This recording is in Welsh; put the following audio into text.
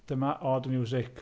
Dyma Odd Music.